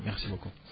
merci beaucoup